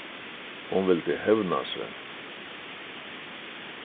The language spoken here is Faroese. hon vildi hevna seg